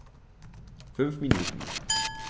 5 Minuten